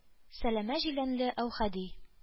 Сәләмә җиләнле Әүхәди,